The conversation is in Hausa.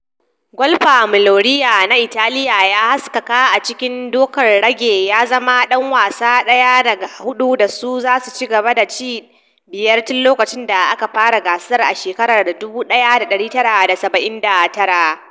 Golfer Molinari na Italiya ya haskaka a cikin dukan raga, ya zama dan wasa 1-daga-4 da za su ci gaba da ci 5-0-0 tun lokacin da aka fara gasar a shekarar 1979.